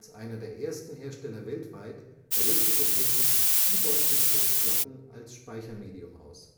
einer der ersten Hersteller weltweit rüstete Technics Keyboards mit Festplatten als Speichermedium aus